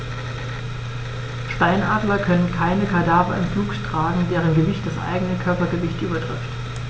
Steinadler können keine Kadaver im Flug tragen, deren Gewicht das eigene Körpergewicht übertrifft.